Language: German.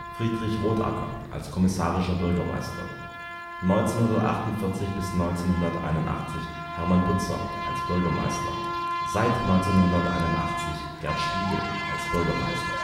Friedrich Rothacker (kommissarischer Bürgermeister) 1948 bis 1981: Hermann Butzer (Bürgermeister) seit 1981: Gerd Spiegel (Bürgermeister